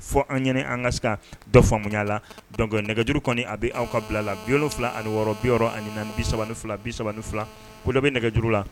Fɔ an ɲɛna an ka se ka dɔ faamuya la donc nɛgɛjuru kɔnni a bɛ anw ka bila la 76 64 32 32, ko dɔ bɛ nɛgɛjuru la.